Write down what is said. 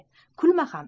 kulma ham